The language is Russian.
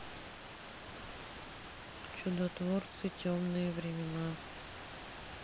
чудотворцы темные времена